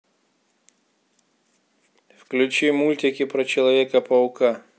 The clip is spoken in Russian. включи мультики про человека паука